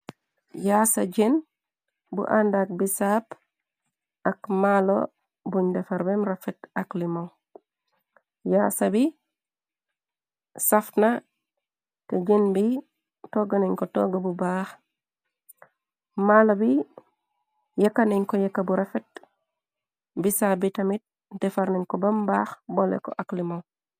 Yaasa jen bu àndak bisaab ak malo buñ defar bem refet akmoyaasa bi safna te jen bi togga nañ ko togga bu baax malo bi yekka nañ ko yekka bu refet bisaap bi tamit defar nañ ko bam mbaax bole ko ak limow.